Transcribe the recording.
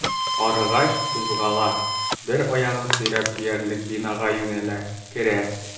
Арыгач, кузгала, бер аягын сөйрәп диярлек бинага юнәлә, керә.